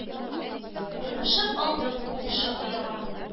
Урнашып алды бу купшы ояга.